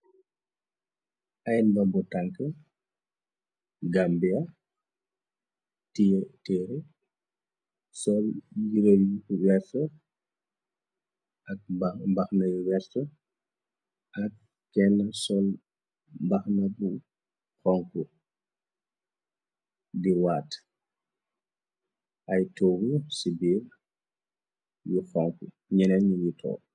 Ay nda bu tank gambia tere sol yire yu werf ak mbaxna yu werf ak kenn sol mbaxna bu fonk di waat ay toowi ci biir yu fank ñene ñuni too.